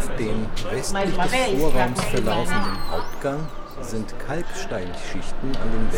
dem westlich des Vorraums verlaufenden Hauptgang sind Kalksteinschichten an den